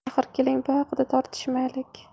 axir keling bu haqda tortishmaylik